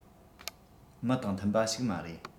མི དང མཐུན པ ཞིག མ རེད